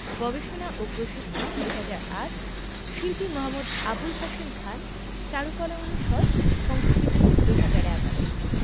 গবেষণা ও প্রশিক্ষণ ২০০৮ শিল্পী মু. আবুল হাশেম খান চারুকলা অনুষদ সংস্কৃতি ২০১১